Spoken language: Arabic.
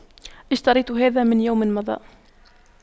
اشتريت هذا من يوم مضى